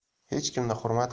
hech kimni hurmat